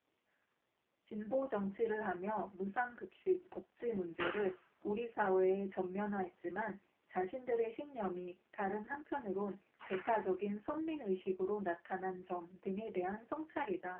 진보정치를 하며 무상급식 복지 문제를 우리 사회에 전면화했지만 자신들의 신념이 다른 한편으론 배타적인 선민의식으로 나타난 점 등에 대한 성찰이다